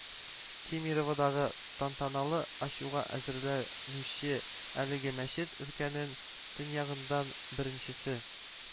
Кемероводагы тантаналы ачуга әзерләнүче әлеге мәчет өлкәнең төньягында беренчесе